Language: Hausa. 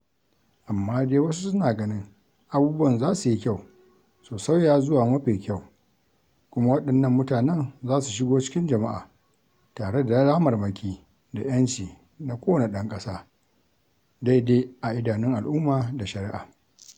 Amma dai wasu suna ganin abubuwan za su yi kyau su sauya zuwa mafi kyau kuma waɗannan mutanen za su shigo cikin jama'a tare da damarmaki da 'yanci na kowane ɗan ƙasa, daidai a idanun al'umma da shari'a.